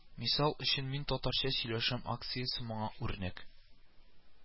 Мисал өчен Мин татарча сөйләшәм акциясе моңа үрнәк